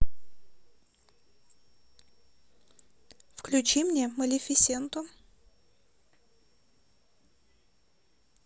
включи мне малефисенту